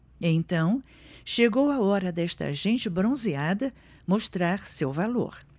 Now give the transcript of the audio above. então chegou a hora desta gente bronzeada mostrar seu valor